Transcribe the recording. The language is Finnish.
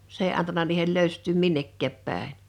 se ei antanut niiden löystyä minnekään päin